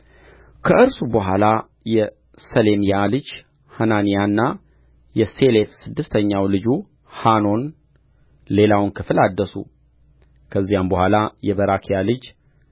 ከእርሱ በኋላ የሰሌምያ ልጅ ሐናንያና የሴሌፍ ስድስተኛው ልጁ ሐኖን ሌላውን ክፍል አደሱ ከዚያም በኋላ የበራክያ ልጅ